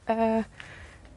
yy,